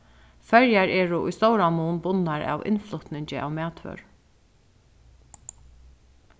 føroyar eru í stóran mun bundnar av innflutningi av matvørum